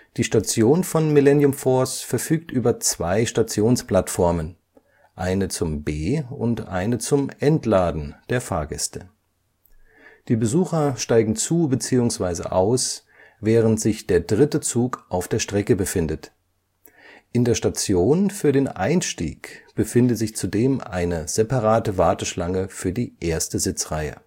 Die Station von Millennium Force verfügt über zwei Stationsplattformen: Eine zum Be - und eine zum Entladen der Fahrgäste. Die Besucher steigen zu bzw. aus, während sich der dritte Zug auf der Strecke befindet. In der Station für den Einstieg befindet sich zudem eine separate Warteschlange für die erste Sitzreihe